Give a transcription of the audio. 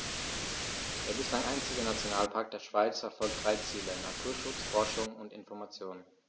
Der bislang einzige Nationalpark der Schweiz verfolgt drei Ziele: Naturschutz, Forschung und Information.